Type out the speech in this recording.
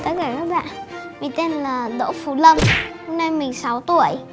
bạn mình tên là đỗ phú lâm năm nay mình sáu tuổi